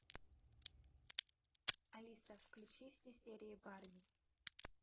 алиса включи все серии барби